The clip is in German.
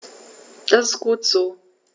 Das ist gut so.